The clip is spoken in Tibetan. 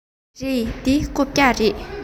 རེད འདི རྐུབ བཀྱག རེད